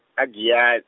aGiya-.